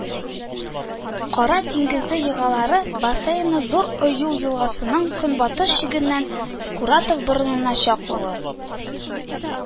Кара диңгезе елгалары бассейны Зур Ою елгасының көнбатыш чигеннән Скуратов борынына чаклы